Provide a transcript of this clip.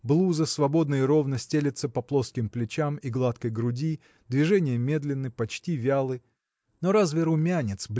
блуза свободно и ровно стелется по плоским плечам и гладкой груди движения медленны, почти вялы. Но разве румянец